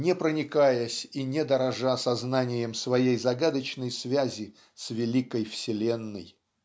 не проникаясь и не дорожа сознанием своей загадочной связи с великой вселенной.